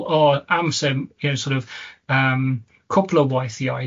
oh, amser m- yeah sor' of, yym cwpl o waithiau